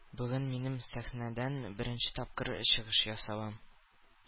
Бүген минем сәхнәдән беренче тапкыр чыгыш ясавым.